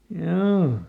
joo